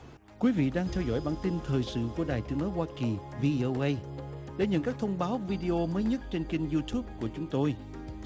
quý vị đang theo dõi bản tin thời sự của đài tiếng nói hoa kỳ vi âu ây để nhận các thông báo vi đi ô mới nhất trên kênh diu túp của chúng tôi